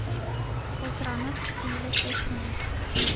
Калтыранып, төелеп яшенә,